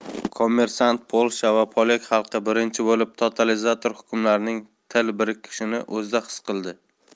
kommersant polsha va polyak xalqi birinchi bo'lib totalitar tuzumlarning til biriktirishini o'zida his qildi